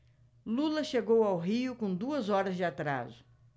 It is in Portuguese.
lula chegou ao rio com duas horas de atraso